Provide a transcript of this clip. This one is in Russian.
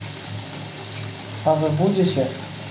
а вы будете